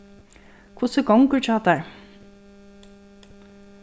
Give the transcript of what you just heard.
hvussu gongur hjá tær